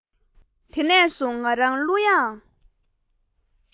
དེ ནས བཟུང ང རང གླུ དབྱངས